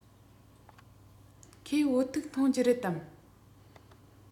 ཁོས བོད ཐུག འཐུང རྒྱུ རེད དམ